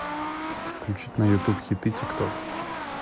включить на ютуб хиты тик ток